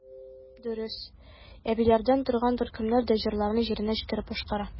Дөрес, әбиләрдән торган төркемнәр дә җырларны җиренә җиткереп башкара.